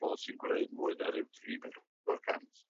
bobol sy'n gwneud mwy na ryw dri bedwar cant